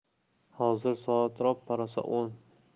hozir soat roppa rosa o'n